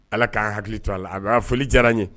Ala k'a hakili to a la a foli diyara n ye